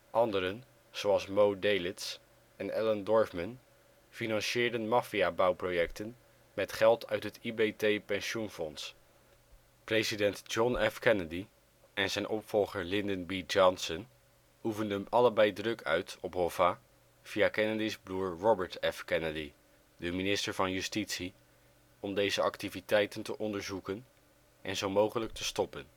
Anderen, zoals Moe Dalitz en Allen Dorfman financierden maffia-bouwprojecten met geld uit het IBT pensioenfonds. President John F. Kennedy en zijn opvolger Lyndon B. Johnson oefenden allebei druk uit op Hoffa via Kennedy 's broer Robert F. Kennedy, de minister van Justitie, om deze activiteiten te onderzoeken en zo mogelijk te stoppen